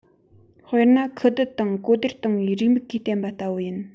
དཔེར ན ཁུ བསྡུ དང གོ བདེར བཏང བའི རེའུ མིག གིས བསྟན པ ལྟ བུ ཡིན